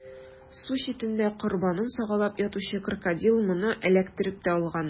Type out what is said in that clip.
Су читендә корбанын сагалап ятучы Крокодил моны эләктереп тә алган.